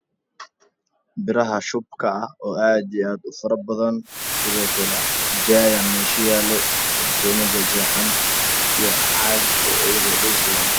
Biraha shubka ah oo aad iyo aad u fara badan sidoo kale jaay aa meesha yaallo kartoomo jeexjeexan iyo caag eber ah oo dhulka yaallo